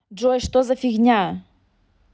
джой что за фигня